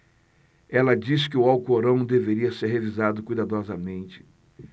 ela disse que o alcorão deveria ser revisado cuidadosamente